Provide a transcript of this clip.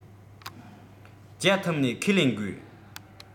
བརྒྱ ཐུབ ནས ཁས ལེན དགོས